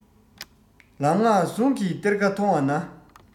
ལམ སྔགས ཟུང གི གཏེར ཁ མཐོང བ ན